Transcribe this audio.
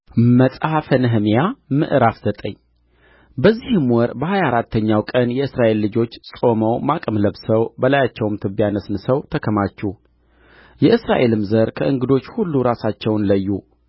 መጽሐፈ ነህምያ ምዕራፍ ዘጠኝ በዚህም ወር በሀያ አራተኛው ቀን የእስራኤል ልጆች ጾመው ማቅም ለብሰው በላያቸውም ትቢያ ነስንሰው ተከማቹ የእስራኤልም ዘር ከእንግዶች ሁሉ ራሳቸውን ለዩ